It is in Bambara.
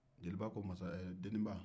jeliba ko deniba